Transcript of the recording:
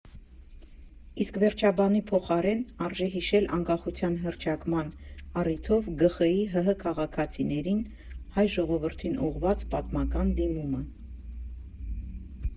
Իսկ վերջաբանի փոխարեն արժի հիշել անկախության հռչակման առիթով ԳԽ֊ի ՀՀ քաղաքացիներին, հայ ժողովրդին ուղղված պատմական դիմումը.